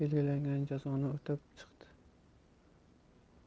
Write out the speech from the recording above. belgilagan jazoni o'tab chiqdi